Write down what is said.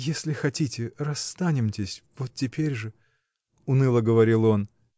— Если хотите, расстанемтесь, вот теперь же. — уныло говорил он.